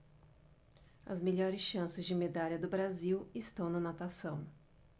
as melhores chances de medalha do brasil estão na natação